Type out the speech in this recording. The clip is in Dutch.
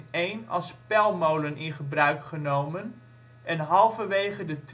1801 als pelmolen in gebruik genomen en halverwege de